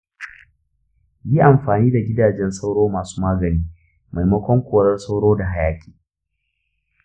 yi amfani da gidajen sauro masu magani maimakon korar sauro na hayaƙi.